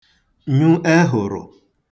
nyụ ehụ̀rụ̀